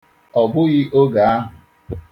Ọ bụghị oge ahụ.